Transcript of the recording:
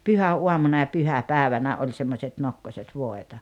pyhäaamuna ja pyhäpäivänä oli semmoiset nokkoset voita